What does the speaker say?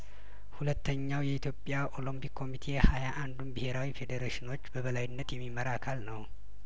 ሁለተኛው የኢትዮጵያ ኦሎምፒክ ኮሚቴ ሀያ አንዱን ብሄራዊ ፌዴሬሽኖች በበላይነት የሚመራ አካል ነው